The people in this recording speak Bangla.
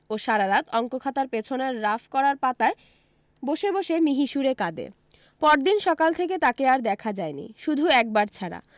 ও সারারাত অঙ্কখাতার পেছনের রাফ করার পাতায় বসে বসে মিহিসুরে কাঁদে পরদিন সকাল থেকে তাকে আর দেখা যায়নি শুধু একবার ছাড়া